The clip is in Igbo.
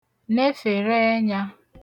nefère ẹnyā